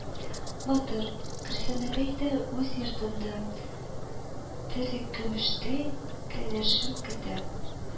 Батыр көрсенеп әйтә: “Үз йортымда терекөмештәй кәләшем көтә